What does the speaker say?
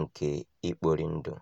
nke ikpori ndụ.